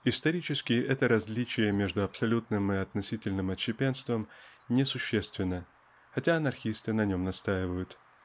Исторически это различие между абсолютным и относительным отщепенством несущественно (хотя анархисты на нем настаивают)